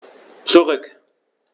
Zurück.